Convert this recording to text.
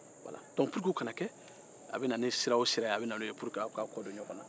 pour que o kana kɛ a bɛ na ni sira o sira ye bɛ na ni o ye walasa aw ka kɔdon ɲɔgɔn na